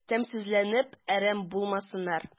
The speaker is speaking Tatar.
Тәмсезләнеп әрәм булмасыннар...